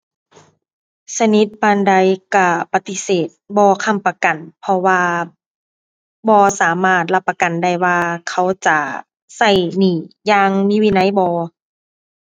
สนิทปานใดก็ปฏิเสธ บ่ค้ำประกัน เพราะว่า บ่สามารถรับประกันได้ว่า เขาจะก็หนี้อย่างมีวินัยบ่